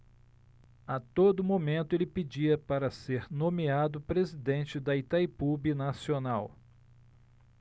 a todo momento ele pedia para ser nomeado presidente de itaipu binacional